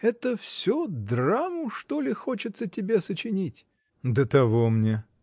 Это всё драму, что ли, хочется тебе сочинить? — До того мне!